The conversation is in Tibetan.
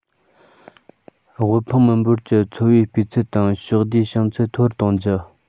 དབུལ ཕོངས མི འབོར གྱི འཚོ བའི སྤུས ཚད དང ཕྱོགས བསྡུས བྱང ཚད མཐོ རུ གཏོང རྒྱུ